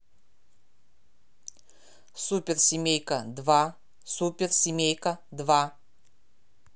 супер семейка два супер семейка два